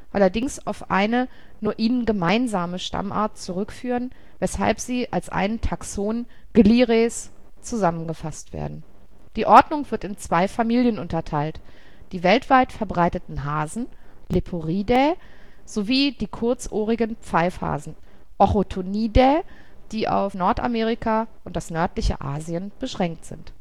allerdings auf eine nur ihnen gemeinsame Stammart zurückführen, weshalb sie als ein Taxon Glires zusammengefasst werden. Die Ordnung wird in zwei Familien unterteilt: die weltweit verbreiteten Hasen (Leporidae) sowie die kurzohrigen Pfeifhasen (Ochotonidae), die auf Nordamerika und das nördliche Asien beschränkt sind